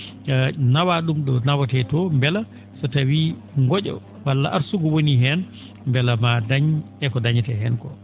nawaa ?um ?o nawetee to mbela so tawii ngo?o walla arsugu wonii heen mbela maa dañ e ko dañeree heen ko